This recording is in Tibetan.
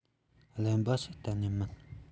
གླེན པ ཞིག གཏན ནས མིན